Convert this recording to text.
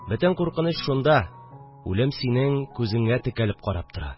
Бөтен куркыныч шунда – үлем синең күзеңә текәлеп карап тора